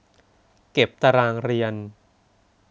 เก็บตารางเรียน